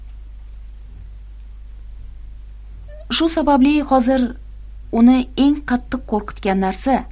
shu sababli hozir uni eng qattiq qo'rqitgan narsa